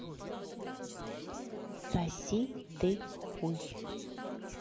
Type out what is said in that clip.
соси ты хуй